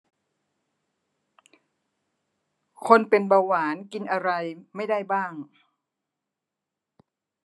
คนเป็นเบาหวานกินอะไรไม่ได้บ้าง